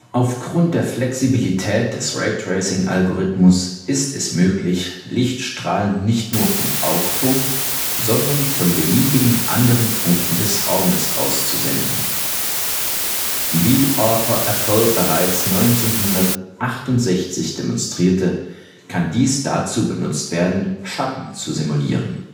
Aufgrund der Flexibilität des Raytracing-Algorithmus ist es möglich, Lichtstrahlen nicht nur vom Augpunkt, sondern auch von beliebigen anderen Punkten des Raums auszusenden. Wie Arthur Appel bereits 1968 demonstrierte, kann dies dazu benutzt werden, Schatten zu simulieren